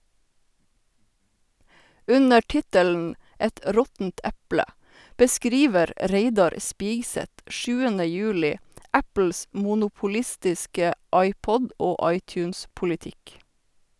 Under tittelen "Et råttent eple" beskriver Reidar Spigseth 7. juli Apples monopolistiske iPod- og iTunes-politikk.